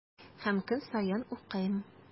Һәм көн саен укыйм.